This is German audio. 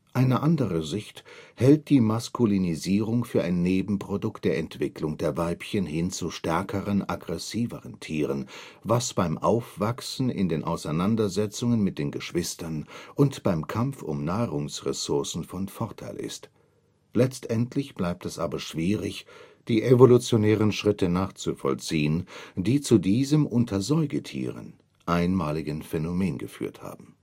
Eine andere Sicht hält die Maskulinisierung für ein „ Nebenprodukt “der Entwicklung der Weibchen hin zu stärkeren, aggressiveren Tieren, was beim Aufwachsen in den Auseinandersetzungen mit den Geschwistern und beim Kampf um Nahrungsressourcen von Vorteil ist. Letztendlich bleibt es aber schwierig, die evolutionären Schritte nachzuvollziehen, die zu diesem unter Säugetieren einmaligen Phänomen geführt haben